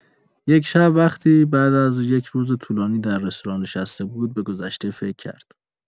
یک شب، وقتی بعد از یک روز طولانی در رستوران نشسته بود، به گذشته فکر کرد.